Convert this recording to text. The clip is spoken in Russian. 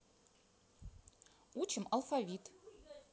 учим алфавит